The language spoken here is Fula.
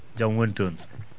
jam woni toon